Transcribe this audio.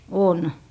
on